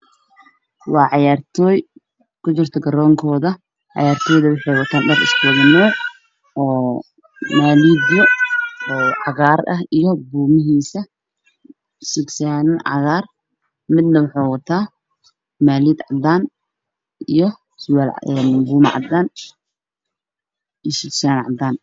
Waa cayaartooy kujirto garoonkooda waxay wataan dhar isku nuuc ah fanaanad cagaar ah iyo buumihiisa, sigisaamo cagaar ah, midna waxuu wataa maaliyad cadaan iyo surwaal cadaan iyo sigisaamo cadaan ah.